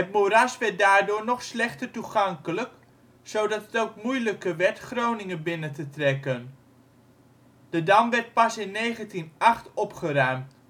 moeras werd daardoor nog slechter toegankelijk, zodat het ook moeilijker werd Groningen binnen te trekken. De dam werd pas in 1908 opgeruimd